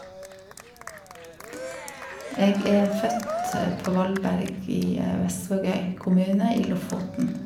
Jeg er født på Valberg i Vestvågøy kommune i Lofoten.